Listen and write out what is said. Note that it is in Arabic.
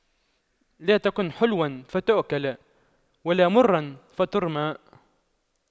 لا تكن حلواً فتؤكل ولا مراً فترمى